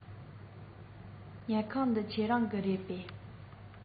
ཉལ ཁང འདི ཁྱེད རང གི རེད པས